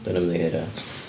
Dwi'n ymddiheurio